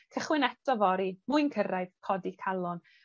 Cychwyn eto fory, mwy'n cyrraedd, codi calon.